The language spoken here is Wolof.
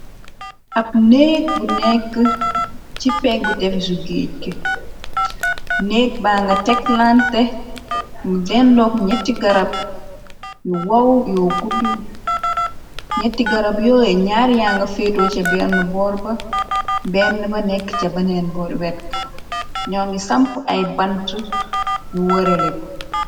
Ab neek bu nekk ci peggu tefisu géej neek ba nga tekk lante mu dendook ñetti garab yu wow yoo gudd ñetti garab yooye ñaar yanga feeto ca benn borba benn ba nekk ca beneen wetk ñoo ngi samp ay bante yu wëreleko.